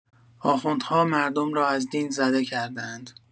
آخوندها مردم را از دین زده کرده‌اند.